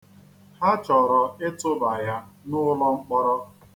Ha chọrọ ịtụba ya n'ụlọ mkpọrọ.